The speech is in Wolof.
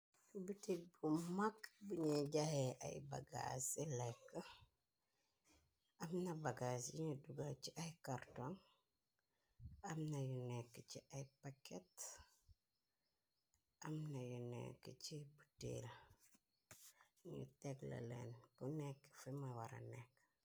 Bitik bu mag biñuy jaayay ay bagaas ci lekk, amna bagaas yinu dugal ci ay karton, yu nekk ci ay paket, am na yu nekk ci buteel, ñu teglaleen bu nekk famu wara nekk.